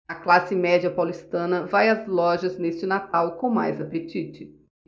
a classe média paulistana vai às lojas neste natal com mais apetite